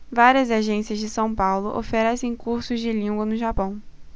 várias agências de são paulo oferecem cursos de língua no japão